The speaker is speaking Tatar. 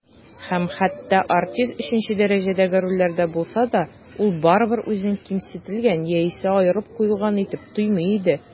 Һәм хәтта артист өченче дәрәҗәдәге рольләрдә булса да, ул барыбыр үзен кимсетелгән яисә аерылып куелган итеп тоймый иде.